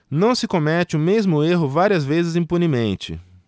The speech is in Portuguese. não se comete o mesmo erro várias vezes impunemente